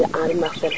ya Henry Marcel